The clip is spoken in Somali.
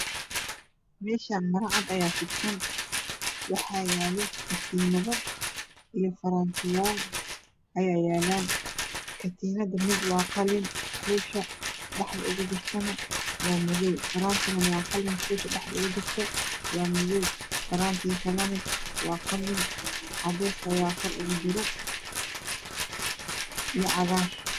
Meeshaan maro cad ayaa fidsan waxaa yaala katiimado iyo faraantiyaal ayaa yaalaan katiimada mid waa qalin kuusha dhexda uga jirtane waa madow faraantiga waa qalin kuusha dhexda uga jirto waa madow faraantiga kalane waa qalin cadays ayaa kor uga jiro iyo cagaar.